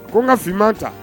Ko n ka fma ta